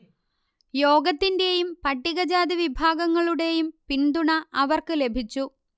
യോഗത്തിന്റെയും പട്ടികജാതി വിഭാഗങ്ങളുടെയും പിന്തുണ അവർക്ക് ലഭിച്ചു